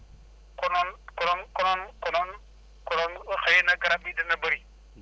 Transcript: konoon konoon konoon konoon konoon xëy na garab yi dana bëri